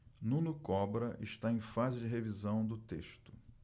nuno cobra está em fase de revisão do texto